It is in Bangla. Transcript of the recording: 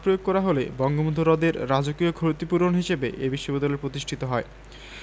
প্রয়োগ করা হলে বঙ্গভঙ্গ রদের রাজকীয় ক্ষতিপূরণ হিসেবে এ বিশ্ববিদ্যালয় প্রতিষ্ঠিত হয়